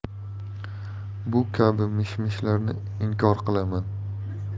bu kabi mish mishlarni inkor qilaman